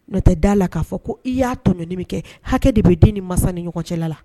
Ne tɛ da' la k'a fɔ ko i y'a tɔɲɔni min kɛ , hakɛ de bɛ den ni mansa ni ɲɔgɔn cɛl la.